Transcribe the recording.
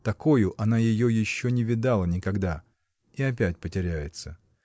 такою она ее еще не видала никогда — и опять потеряется.